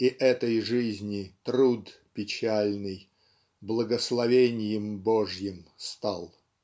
И этой жизни труд печальный Благословеньем Божьим стал.